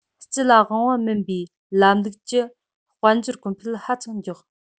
སྤྱི ལ དབང བ མིན པའི ལམ ལུགས ཀྱི དཔལ འབྱོར གོང འཕེལ ཧ ཅང མགྱོགས